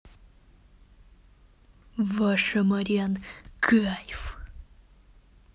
vache amaryan кайф